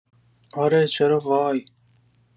آره چرا وای